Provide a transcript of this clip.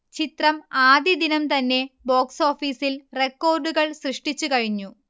ചിത്രം ആദ്യദിനം തന്നെ ബോക്സ്ഓഫീസിൽ റെക്കോർഡുകൾ സൃഷ്ടിച്ച് കഴിഞ്ഞു